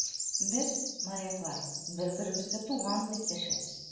Без, моряклар, бер-беребезгә туган, дип дәшәбез.